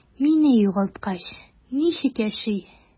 Мине югалткач, ничек яши?